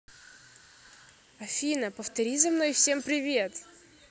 афина повтори за мной всем привет